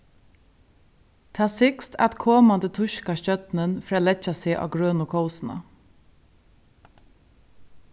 tað sigst at komandi týska stjórnin fer at leggja seg á grønu kósina